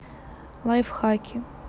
лайфхаки